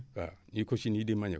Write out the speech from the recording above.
waaw une cochenille du manioc